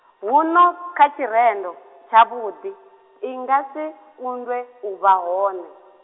huno, kha tshirendo, tshavhuḓi, i nga si, kundwe, u vha hone.